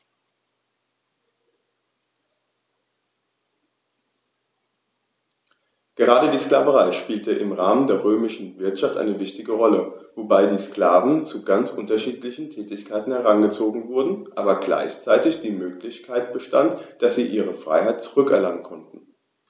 Gerade die Sklaverei spielte im Rahmen der römischen Wirtschaft eine wichtige Rolle, wobei die Sklaven zu ganz unterschiedlichen Tätigkeiten herangezogen wurden, aber gleichzeitig die Möglichkeit bestand, dass sie ihre Freiheit zurück erlangen konnten.